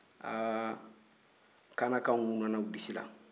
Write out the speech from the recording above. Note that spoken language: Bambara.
haa kaanakaw huntanna u disi la